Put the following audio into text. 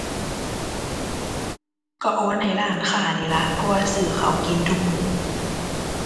ก็โอนให้ร้านค้านี่ล่ะ เพราะว่าซื้อข้าวกินทุกมื้อ